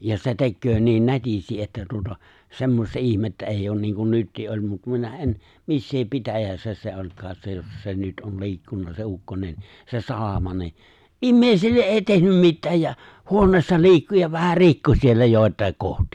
ja se tekee niin nätisti että tuota semmoista ihmettä ei ole niin kuin nyt oli mutta minä en missä pitäjässä se olikaan se jossa se nyt on liikkunut se ukkonen se salama niin ihmisille ei tehnyt mitään ja huoneessa liikkui ja vähän rikkoi siellä joitakin kohtia